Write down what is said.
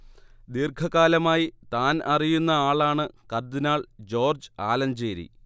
ദീർഘകാലമായി താൻ അറിയുന്ന ആളാണ് കർദിനാൾ ജോർജ്ജ് ആലഞ്ചേരി